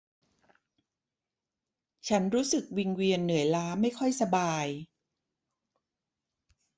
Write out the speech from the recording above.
ฉันรู้สึกวิงเวียนเหนื่อยล้าไม่ค่อยสบาย